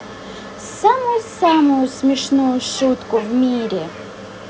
самую самую смешную шутку в мире